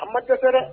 A ma dɛsɛ dɛ